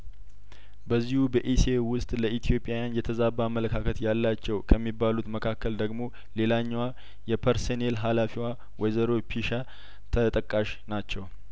በዚሁ በኢሲኤ ውስጥ ለኢትዮጵያን የተዛባ አመለካከት ያላቸው ከሚባሉት መካከል ደግሞ ሌላኛዋ የፐርሰ ኔል ሀላፊዋ ወይዘሮ ፒሻ ተጠቃሽ ናቸው